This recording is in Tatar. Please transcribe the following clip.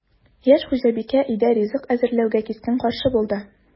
Яшь хуҗабикә өйдә ризык әзерләүгә кискен каршы булды: